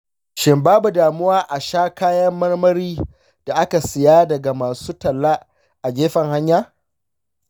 shin babu damuwa a sha kayan marmari da aka siya daga masu talla a gefen hanya?